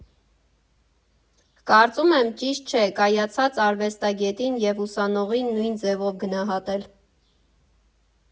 Կարծում եմ՝ ճիշտ չէ կայացած արվեստագետին և ուսանողին նույն ձևով գնահատել։